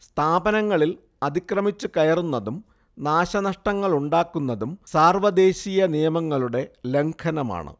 സ്ഥാപനങ്ങളിൽ അതിക്രമിച്ചുകയറുന്നതും നാശനഷ്ടങ്ങളുണ്ടാക്കുന്നതും സാർവദേശീയ നിയമങ്ങളുടെ ലംഘനമാണ്